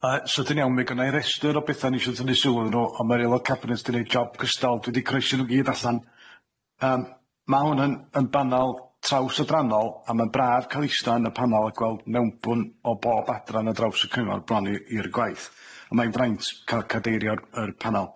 Yy sydyn iawn ma' gynna'i restyr o betha o'n isio tynnu sylw iddyn nw ond ma'r Aelod Cabinet 'di neud job cystal dwi 'di croesi nhw i gyd allan yym ma' hwn yn yn banal traws-adrannol a ma'n braf ca'l ista yn y panal a gweld mewnbwn o bob adran ar draws y cyngor bron i i'r gwaith a mae'n draint ca'l cadeirio'r yr panel.